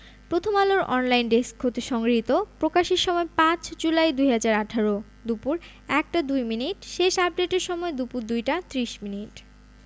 প্রথমআলোর online desk হতে সংগৃহীত প্রকাশের সময় ৫ জুলাই ২০১৮ দুপুর ১টা ২মিনিট শেষ আপডেটের সময় দুপুর ২টা ৩০ মিনিট